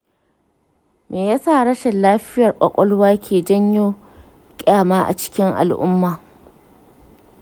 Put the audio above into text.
me ya sa rashin lafiyar ƙwaƙwalwa ke janyo ƙyama a cikin al'umma?